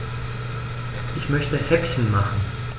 Ich möchte Häppchen machen.